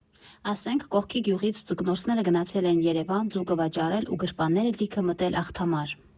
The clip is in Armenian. Ասենք, կողքի գյուղից ձկնորսները գնացել էին Երևան, ձուկը վաճառել ու գրպանները լիքը մտել «Ախթամար»։